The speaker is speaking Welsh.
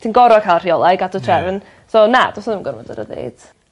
ti'n gor'o' ca'l rheolau i gadw trefn. So na do's 'na ddim gormod o ryddid.